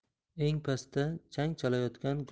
eng pastda chang chalayotgan